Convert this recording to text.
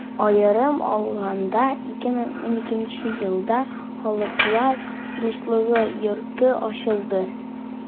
Аерым алаганда, 2012 нче елда Халыклар дуслыгы йорты ачылды.